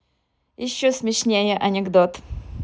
еще смешнее анекдот